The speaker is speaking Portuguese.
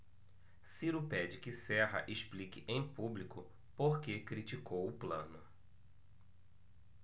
ciro pede que serra explique em público por que criticou plano